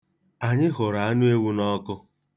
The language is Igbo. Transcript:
Anyị hụrụ anụewu n'ọkụ.